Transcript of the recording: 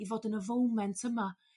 i fod yn y foment yma.